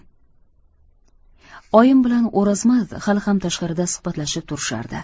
oyim bilan o'rozmat hali ham tashqarida suhbatlashib turishardi